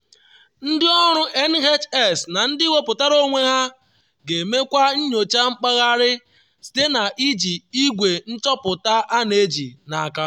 Ndị ọrụ NHS na ndị wepụtara onwe ha ga-emekwa nyocha mkpagharị site na n’iji igwe nchọpụta a na-eji n’aka.